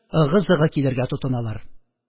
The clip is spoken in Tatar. Ыгы-зыгы килергә тотыналар.